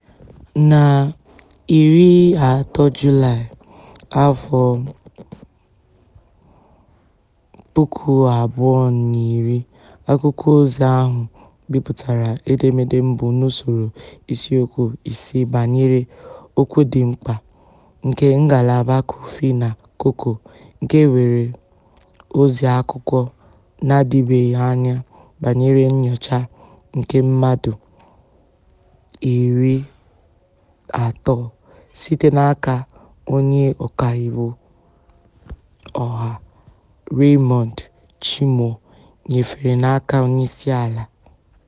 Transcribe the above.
Na 13 Julaị 2010 akwụkwọozi ahụ bipụtara edemede mbụ n'usoro isiokwu ise banyere "okwu dị mkpa" nke ngalaba kọfị na koko nke nwere ozi akụkọ n'adịbeghị anya banyere nnyocha nke mmadụ 30 site n'aka onye ọkaiwu ọha Raymond Tchimou nyefere n'aka onyeisiala.